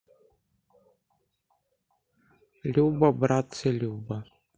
любо братцы любо